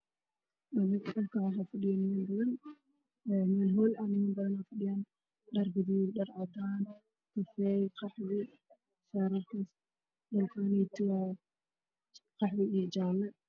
Halkaan waxaa fadhiyo niman badan meel howl ah dhar gaduud dhar cadaan kafay qaxwi shaarar kaas qaxwi iyo jaalle.